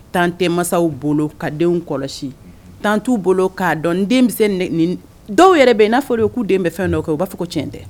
Tan tɛmasaw bolo ka denw kɔlɔsi tan t'u bolo k'a dɔn den dɔw yɛrɛ bɛ yen n'a fɔ ye k'u den bɛ fɛn dɔw kɛ u b'a fɔ ko cɛn tɛ